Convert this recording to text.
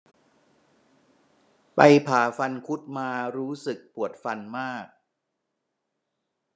ไปผ่าฟันคุดมารู้ปวดฟันมาก